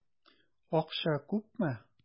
Акча күпме?